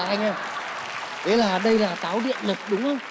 anh ơi đấy là đây là táo điện lực đúng không